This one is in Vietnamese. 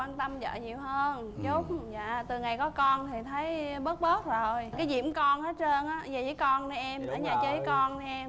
quan tâm vợ nhiều hơn chút dạ từ ngày có con thì thấy bớt bớt rồi cái gì cũng con hết trơn á đi về với con đi em ở nhà chơi với con đi em